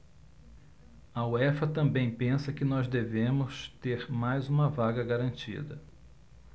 a uefa também pensa que nós devemos ter mais uma vaga garantida